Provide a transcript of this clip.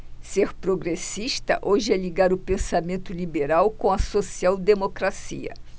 ser progressista hoje é ligar o pensamento liberal com a social democracia